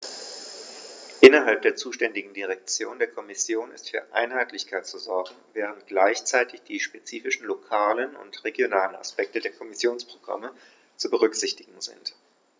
Innerhalb der zuständigen Direktion der Kommission ist für Einheitlichkeit zu sorgen, während gleichzeitig die spezifischen lokalen und regionalen Aspekte der Kommissionsprogramme zu berücksichtigen sind.